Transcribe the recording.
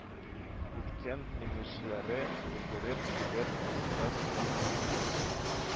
Иткән, имешләре өлгереп кибер урында таптанды